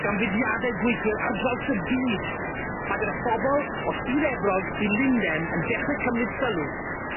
gan fudiadau gweithwyr ar draws y byd a gyda phobol o Sir Efrog i Lunden yn dechre cymryd sylw